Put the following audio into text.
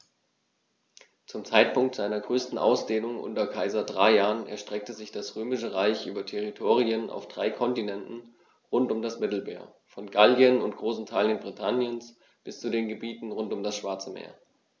Zum Zeitpunkt seiner größten Ausdehnung unter Kaiser Trajan erstreckte sich das Römische Reich über Territorien auf drei Kontinenten rund um das Mittelmeer: Von Gallien und großen Teilen Britanniens bis zu den Gebieten rund um das Schwarze Meer.